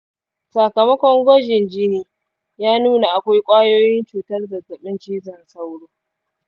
sakamakon gwajin jini ya nuna akwai kwayoyin cutar zazzabin cizon sauro